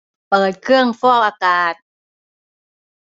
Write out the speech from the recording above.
เปิดเครื่องฟอกอากาศ